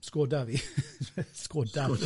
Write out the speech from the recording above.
Skoda fi.